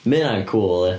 Mae hynna'n cŵl, ia.